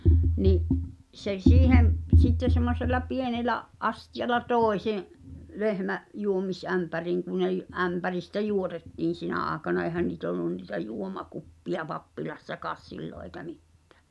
niin se siihen - sitten semmoisella pienellä astialla tuo se lehmä juomisämpäriin kun ne - ämpäristä juotettiin sinä aikana eihän niitä ollut niitä juomakuppeja pappilassakaan silloin eikä mitään